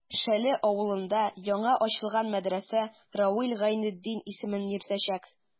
Шәле авылында яңа ачылган мәдрәсә Равил Гайнетдин исемен йөртәчәк.